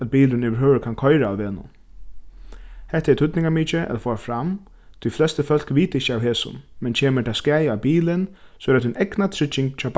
at bilurin yvirhøvur kann koyra á vegnum hetta er týdningarmikið at fáa fram tí flestu fólk vita ikki av hesum men kemur tað skaði á bilin so er tað tín egna trygging hjá